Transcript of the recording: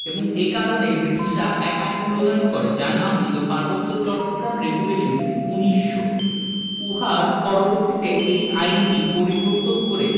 এবং এ কারণেই বৃটিশরা এক আইন প্রণয়ন করে যার নাম ছিল পার্বত্য চট্টগ্রাম রেগুলেশন ১৯০০ উহার পরবর্তীতে ঐ আইনটি পরিবর্তন করে